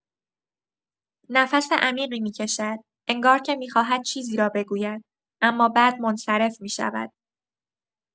نفس عمیقی می‌کشد، انگار که می‌خواهد چیزی را بگوید، اما بعد منصرف می‌شود.